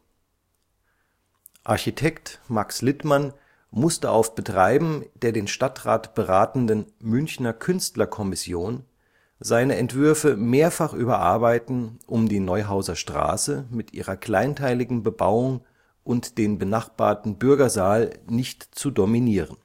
Architekt Max Littmann musste auf Betreiben der den Stadtrat beratenden „ Münchner Künstler-Kommission “seine Entwürfe mehrfach überarbeiten um die Neuhauser Straße mit ihrer kleinteiligen Bebauung und den benachbarten Bürgersaal nicht zu dominieren